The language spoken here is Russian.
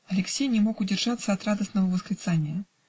Алексей не мог удержаться от радостного восклицания.